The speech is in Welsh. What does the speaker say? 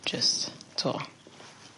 jys t'o'